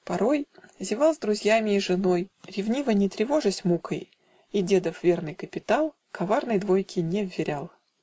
порой Зевал с друзьями и с женой, Ревнивой не тревожась мукой, И дедов верный капитал Коварной двойке не вверял.